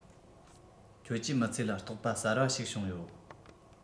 ཁྱོད ཀྱིས མི ཚེ ལ རྟོག པ གསར པ ཞིག བྱུང ཡོད